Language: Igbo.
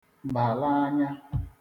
ba l'anya